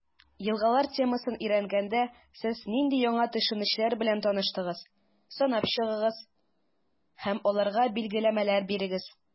«елгалар» темасын өйрәнгәндә, сез нинди яңа төшенчәләр белән таныштыгыз, санап чыгыгыз һәм аларга билгеләмәләр бирегез.